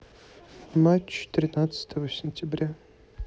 матч тринадцатого сентября